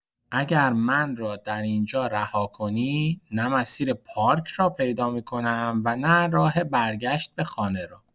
اگر من را در این‌جا رها کنی، نه مسیر پارک را پیدا می‌کنم و نه راه برگشت به خانه را.